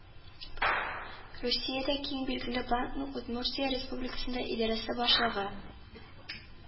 Русиядә киң билгеле банкның Удмуртия Республикасыгда идарәсе башлыгы